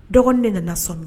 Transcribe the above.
Dɔgɔnin de nana sɔmi